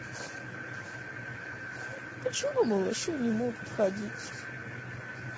почему малыши не могут ходить